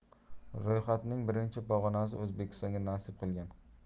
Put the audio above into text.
ro'yxatning birinchi pog'onasi o'zbekistonga nasib qilgan